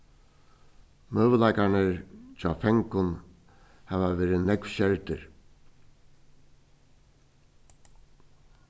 møguleikarnir hjá fangum hava verið nógv skerdir